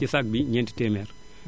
ci saag bi ñenti téeméer